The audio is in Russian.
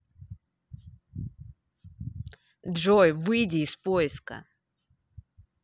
джой выйди из поиска